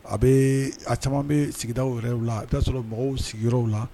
A bee a caman be sigidaw yɛrɛw la i be taa sɔrɔ mɔgɔw sigiyɔrɔw la